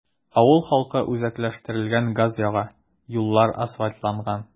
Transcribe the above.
Авыл халкы үзәкләштерелгән газ яга, юллар асфальтланган.